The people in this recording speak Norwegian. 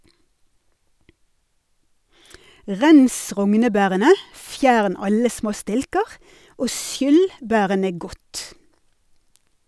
Rens rognebærene , fjern alle små stilker og skyll bærene godt.